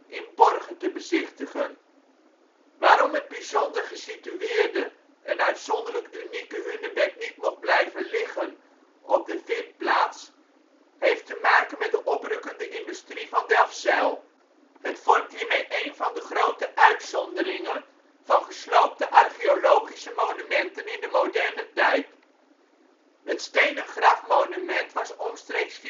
in Borger te bezichtigen. Waarom het bijzonder gesitueerde en uitzonderlijk unieke hunebed niet mocht blijven liggen op de vindplaats heeft te maken met de oprukkende industrie van Delfzijl. Het vormt hiermee één van de grote uitzonderingen van gesloopte archeologische monumenten in de moderne tijd. Het stenen grafmonument was omstreeks